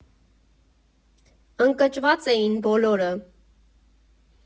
Ընկճված էին բոլորը։